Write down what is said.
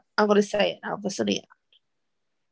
I'm gonna say it now, fyswn i.